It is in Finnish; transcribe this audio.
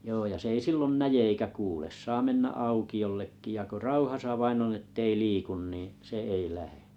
joo ja se ei silloin näe eikä kuule saa mennä aukiollekin ja kun rauhassa vain on että ei liiku niin se ei lähde